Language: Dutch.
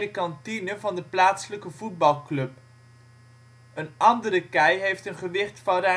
kantine van de plaatselijke voetbalclub. De andere kei heeft een gewicht van